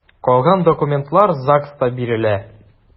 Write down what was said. Калган документлар ЗАГСта бирелә.